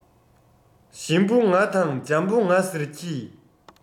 ཞིམ པོ ང དང འཇམ པོ ང ཟེར གྱི